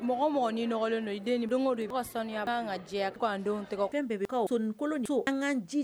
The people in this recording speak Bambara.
Mɔgɔ mɔgɔ dɔgɔnin bɛɛkolon an